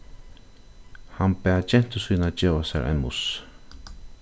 hann bað gentu sína geva sær ein muss